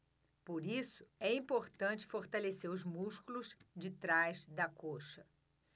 por isso é importante fortalecer os músculos de trás da coxa